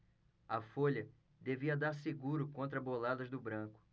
a folha devia dar seguro contra boladas do branco